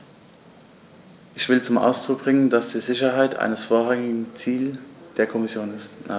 Ich will zum Ausdruck bringen, dass die Sicherheit ein vorrangiges Ziel der Kommission ist.